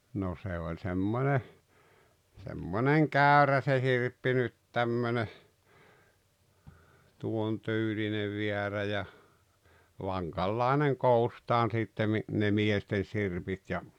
no se oli semmoinen semmoinen käyrä se sirppi nyt tämmöinen tuon tyylinen väärä ja vankanlainen koostaan sitten - ne miesten sirpit ja